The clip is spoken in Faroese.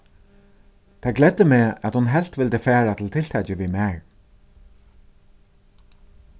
tað gleddi meg at hon helt vildi fara til tiltakið við mær